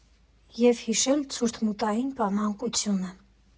Եվ հիշել ցուրտումութային մանկությունը։